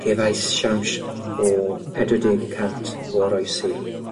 Cefais siawns o pedwar deg y cant o oroesi.